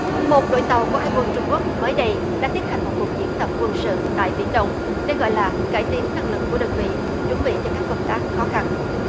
một đội tàu của hải quân trung quốc mới đây đã tiến hành một cuộc diễn tập quân sự tại biển đông đây gọi là cải tiến năng lực của đơn vị chuẩn bị cho các công tác khó khăn